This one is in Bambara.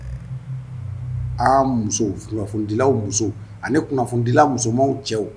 Dilaw muso ani kunnafonidilaw musoman cɛw